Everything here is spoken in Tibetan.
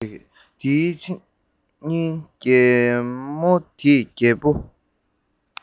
དེའི ཕྱི ཉིན རྒན མོ དེས རྒད པོ